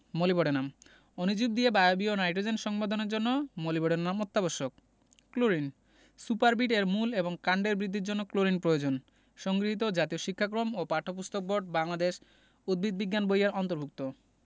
molybdenum অণুজীব দিয়ে বায়বীয় নাইটোজেন সংবধনের জন্য মোলিবডেনাম অত্যাবশ্যক ক্লোরিন সুপারবিট এর মূল এবং কাণ্ডের বৃদ্ধির জন্য ক্লোরিন প্রয়োজন সংগৃহীত জাতীয় শিক্ষাক্রম ও পাঠ্যপুস্তক বোর্ড বাংলাদেশ উদ্ভিদ বিজ্ঞান বই এর অন্তর্ভুক্ত